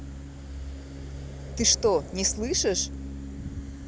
ты что не слышишь